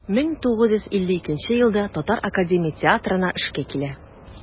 1952 елда татар академия театрына эшкә килә.